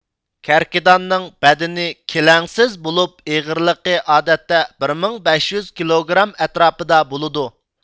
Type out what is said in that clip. كەركىداننىڭ بەدىنى كېلەڭسىز بولۇپ ئېغىرلىقى ئادەتتە بىر مىڭ بەش يۈز كىلوگرام ئەتراپىدا بولىدۇ